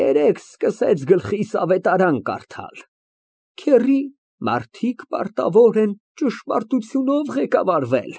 Երեկ սկսեց գլխիս ավետարան կարդալ, «Քեռի, մարդիկ պարտավոր են ճշմարտություններով ղեկավարվել»։